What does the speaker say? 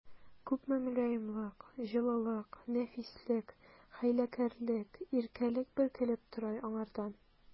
Күпме мөлаемлык, җылылык, нәфислек, хәйләкәрлек, иркәлек бөркелеп тора аңардан!